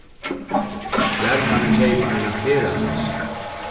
hvar kann eg keypa eina ferðatasku